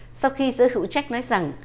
sau khi giới hữu trách nói rằng